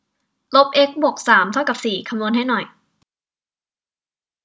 ลบเอ็กซ์บวกสามเท่ากับสี่คำนวณให้หน่อย